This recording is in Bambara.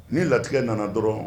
Ni latigɛ nana dɔrɔn